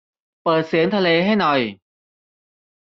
เปิดเสียงทะเลให้หน่อย